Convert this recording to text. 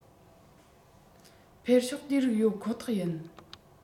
འཕེལ ཕྱོགས དེ རིགས ཡོད ཁོ ཐག ཡིན